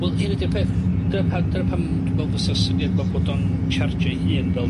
Wel, hyn ydi'r peth. Dyna pam, dyna pam dwi me'wl fysa'r syniad 'ma bod o'n tsiarjio'i hun fel